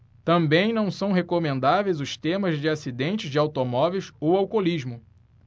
também não são recomendáveis os temas de acidentes de automóveis ou alcoolismo